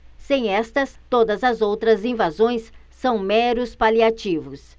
sem estas todas as outras invasões são meros paliativos